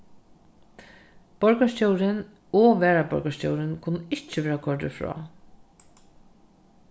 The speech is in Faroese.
borgarstjórin og varaborgarstjórin kunnu ikki verða koyrdir frá